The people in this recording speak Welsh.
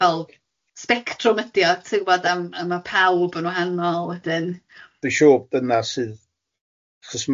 fel sbectrwm ydi o ti'n gwybod a ma pawb yn wahanol wedyn... Dwi'n siŵr dyna sydd achos ma